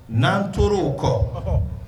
N'an tor'o kɔ